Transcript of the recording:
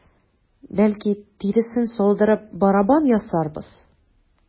Бәлки, тиресен салдырып, барабан ясарбыз?